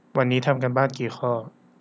วันนี้ทำการบ้านกี่ข้อ